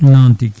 noon tigui